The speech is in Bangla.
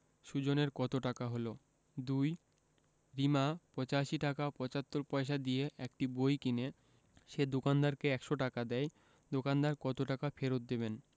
সুজনের কত টাকা হলো ২ রিমা ৮৫ টাকা ৭৫ পয়সা দিয়ে একটি বই কিনে সে দোকানদারকে ১০০ টাকা দেয় দোকানদার কত টাকা ফেরত দেবেন